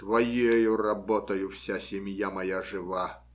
Твоею работою вся семья моя жива.